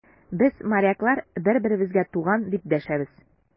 Без, моряклар, бер-беребезгә туган, дип дәшәбез.